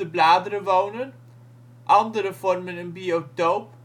bladeren wonen. Andere vormen een biotoop